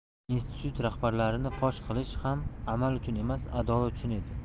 institut rahbarlarini fosh qilishi ham amal uchun emas adolat uchun edi